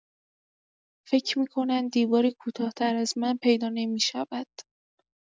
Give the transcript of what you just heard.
فکر می‌کنند دیواری کوتاه‌تر از من پیدا نمی‌شود.